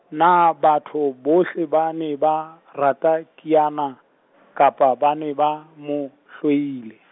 na batho bohle ba ne ba, rata Kiana, kapa ba ne ba, mo, hloile?